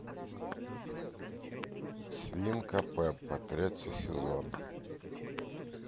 свинка пеппа третий сезон